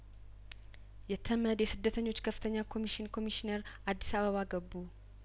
የተመድ የስደተኞች ከፍተኛ ኮሚሽን ኮሚሽነር አዲስ አበባ ገቡ